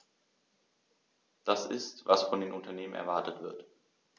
Das ist, was von den Unternehmen erwartet wird.